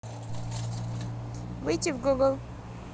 выйти в google